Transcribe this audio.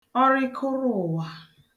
ọrịkụrụụ̀wà